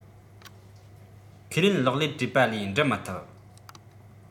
ཁས ལེན གློག ཀླད བྲིས པ ལས འབྲི མི ཐུབ